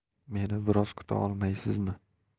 meni biroz kutaolmaysizmi